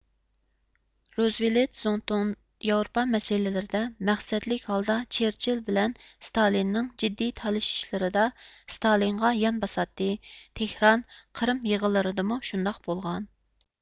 روزۋېلت زۇڭتۇڭ ياۋروپا مەسىلىلىرىدە مەقسەتلىك ھالدا چېرچىل بىلەن ستالىننىڭ جىددىي تالىشىشلىرىدا سىتالىنغا يان باساتتى تېھران قىرىم يىغىنلىرىدىمۇ شۇنداق بولغان